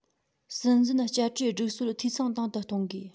སྲིད འཛིན བསྐྱར གྲོས སྒྲིག སྲོལ འཐུས ཚང དང དུ གཏོང དགོས